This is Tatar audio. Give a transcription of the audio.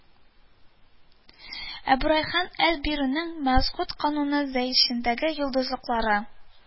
Әбүрәйхан әл-Бирунинең «Мәсгуд кануны» зайичәсендәге йолдызлыклары